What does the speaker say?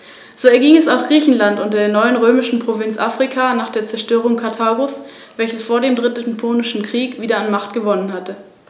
Pergamon wurde durch Erbvertrag zur römischen Provinz.